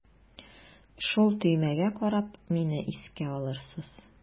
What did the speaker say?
Шул төймәгә карап мине искә алырсыз.